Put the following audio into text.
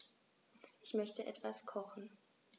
Ich möchte etwas kochen.